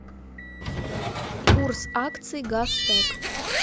курс акций газ тэк